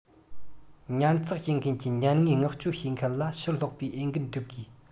ཉར ཚགས བྱེད མཁན གྱིས ཉར དངོས མངགས བཅོལ བྱེད མཁན ལ ཕྱིར སློག པའི འོས འགན བསྒྲུབ དགོས